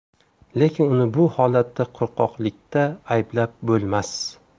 lekin uni bu holatda qo'rqoqlikda ayblab bo'lmas